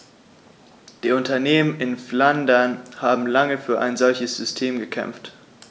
Die Unternehmen in Flandern haben lange für ein solches System gekämpft.